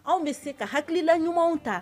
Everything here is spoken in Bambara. Anw bɛ se ka hakilila ɲumanw ta